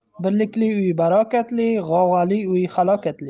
birlikli uy barakatli g'ovg'ali uy halokatli